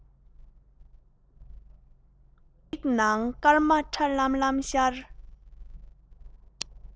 མིག ནང སྐར མ ཁྲ ལམ ལམ ཤར